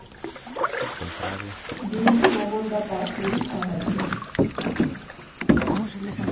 «Գյումրին ավանդապաշտների քաղաք է»